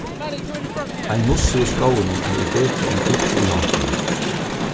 ein mussur í skóginum er betri enn tíggju í hondini